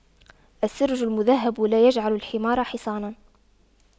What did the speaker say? السَّرْج المُذهَّب لا يجعلُ الحمار حصاناً